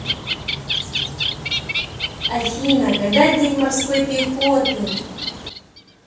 афина когда день морской пехоты